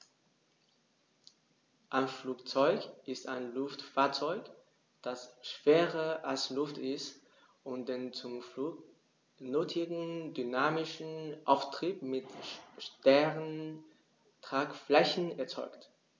Ein Flugzeug ist ein Luftfahrzeug, das schwerer als Luft ist und den zum Flug nötigen dynamischen Auftrieb mit starren Tragflächen erzeugt.